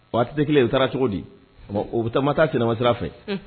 Wa a tɛ kelen u taara cogo di o bɛ taama taa silama sira fɛ